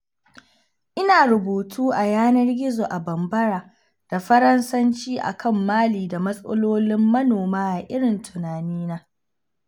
Ina rubutu a yanar gizo a Bambara da Faransanci a kan Mali da matsalolin manoma a irin tunanina